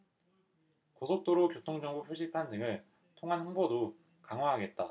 고속도로 교통정보 표시판 등을 통한 홍보도 강화하겠다